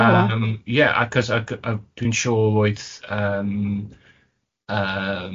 Yym ie achos ac yy dwi'n siŵr oedd yym yym